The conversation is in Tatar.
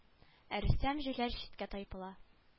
Ә рөстәм җүләр читкә тайпыла